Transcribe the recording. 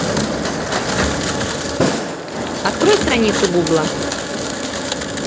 открой страницу гугла